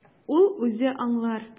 Ул үзе аңлар.